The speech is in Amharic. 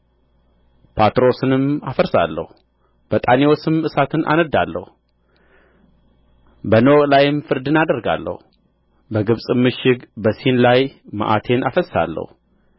ጳትሮስንም አፈርሳለሁ በጣኔዎስም እሳትን አነድዳለሁ በኖእ ላይም ፍርድን አደርጋለሁ በግብጽም ምሽግ በሲን ላይ መዓቴን አፈስሳለሁ